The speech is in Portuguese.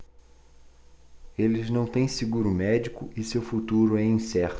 eles não têm seguro médico e seu futuro é incerto